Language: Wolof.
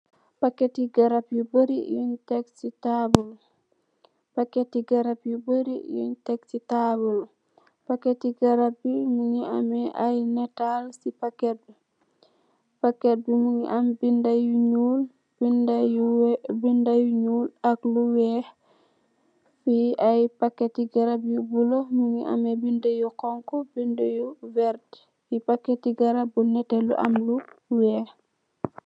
paketi garap yu bari yunj tek ci taabul paketi garap yu bari yunj tek ci taabul paketi garap yi nyu ngi ameh ay nitaal ci paket paketi nyu ngi ameh binda yu nyool ak lu weex bi ay paketi garap yu bulo mungi ameh ay binda yu xonxu binda yu veert fe ay paketi garap bu nete bu am lu weex